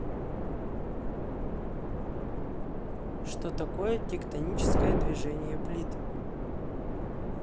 что такое тектоническое движение плит